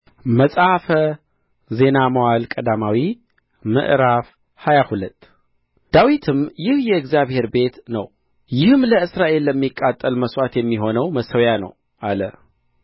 መጽሐፈ ዜና መዋዕል ቀዳማዊ ምዕራፍ ሃያ ሁለት ዳዊትም ይህ የእግዚአብሔር ቤት ነው ይህም ለእስራኤል ለሚቃጠል መሥዋዕት የሚሆነው መሠዊያ ነው አለ